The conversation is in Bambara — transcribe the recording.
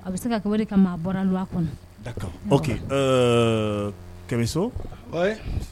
A bɛ se ka ka maa bɔra don a kɔnɔ kɛmɛso